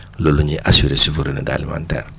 loolu la ñuy assuré souveraineté alimentaire